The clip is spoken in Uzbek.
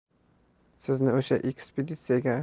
sizni o'sha ekspeditsiyaga